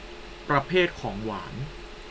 ประเภทของหวาน